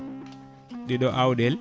ɗiɗo awɗele